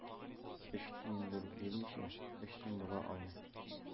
Өч тиен бүлеп бирмичә, өч сум була алмый.